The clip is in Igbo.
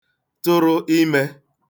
tụrụ imẹ